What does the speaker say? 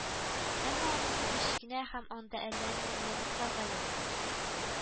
Әмма анысы кечкенә һәм анда әлләни уңайлыклар да юк